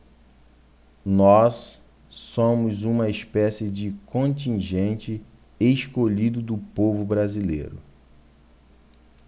nós somos uma espécie de contingente escolhido do povo brasileiro